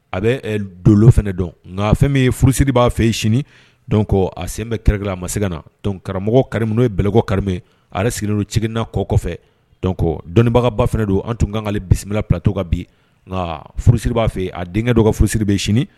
A bɛ donlo fana dɔn nka fɛn bɛ furusiri b'a fɛ yen sini a sen bɛ kɛrɛ a ma se ka na karamɔgɔ kari min n' ye bɛkɔ karime a sigi cna kɔ kɔfɛ dɔnnibagaba fana don an tun kanale bisimila platɔ ka bi nka furusiri b'a fɛ yen a denkɛ dɔ furusiri b bɛ sini